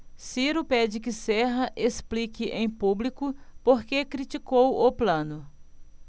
ciro pede que serra explique em público por que criticou plano